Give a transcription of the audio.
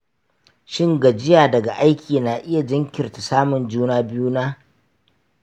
shin gajiya daga aiki na iya jinkirta samun juna biyu na?